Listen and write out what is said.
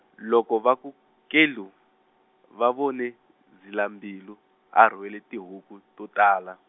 loko va ku kelu, va vone, Zilambilu, a rhwele tihuku to tala.